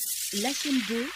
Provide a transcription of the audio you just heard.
Nafin don